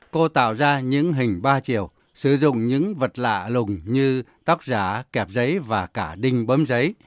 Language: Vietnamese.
cô tạo ra những hình ba chiều sử dụng những vật lạ lùng như tóc giả kẹp giấy và cả đinh bấm giấy